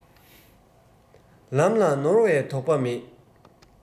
ལམ ལ ནོར བའི དོགས པ མེད